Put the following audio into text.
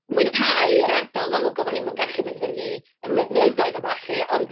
Mwynhau yr ardal. Yn amlwg oedden ni'm yn gallu mynd fyny'r mynyddoedd a ballu, ond...